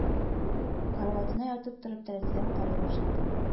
Караватына ятып торып, тәрәзәдән карый башлады